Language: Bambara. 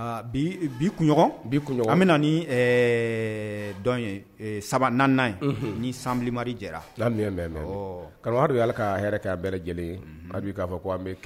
Bi bi kunɲɔgɔn bi kunɲɔgɔn an bɛ ni dɔn ye saba naani in ni sanmari jɛra kabadu ala k kaɛ ka' bɛ lajɛlendu k'a fɔ k' an